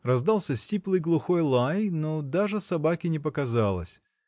Раздался сиплый, глухой лай, но даже собаки не показалось